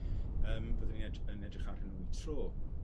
yym byddwn ni'n ed- yn edrych arnyn nw'n tro